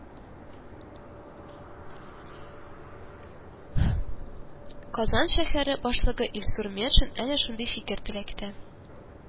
Казан шәһәре башлыгы Илсур Метшин әнә шундый фикер-теләктә